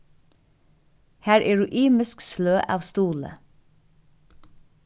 har eru ymisk sløg av stuðli